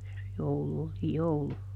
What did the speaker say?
ja se joulu oli joulu